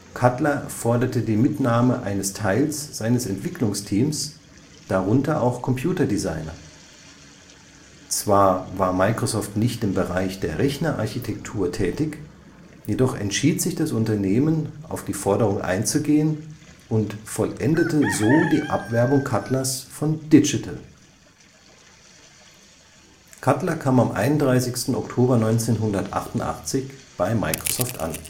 Cutler forderte die Mitnahme eines Teils seines Entwicklungsteams, darunter auch Computerdesigner. Zwar war Microsoft nicht im Bereich der Rechnerarchitektur tätig, jedoch entschied sich das Unternehmen, auf die Forderung einzugehen und vollendete so die Abwerbung Cutlers von Digital. Cutler kam am 31. Oktober 1988 bei Microsoft an